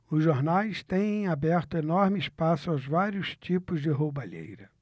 os jornais têm aberto enorme espaço aos vários tipos de roubalheira